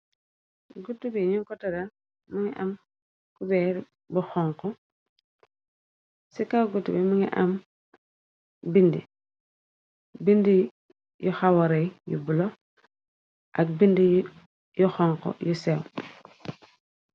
Guut bi ñu ko teral minga am cubeer bu xonko ci kaw guut bi minga am bind bind yu xawarey yu bulo ak bind yu xonko yu seew.